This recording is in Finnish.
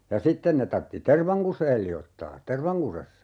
ja sitten ne tarvitsi tervan kuseen liottaa tervankusessa